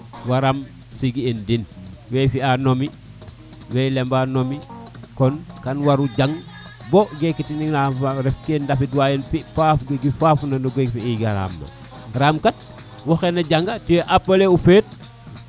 waaram sigi in din w fiya nami we lemba no mi kon kam waro jang bo gekin yaam ref ke ndabid waye fi paax ram kat waxey na janga tu es appelée o feet